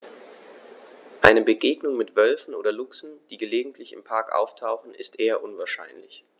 Eine Begegnung mit Wölfen oder Luchsen, die gelegentlich im Park auftauchen, ist eher unwahrscheinlich.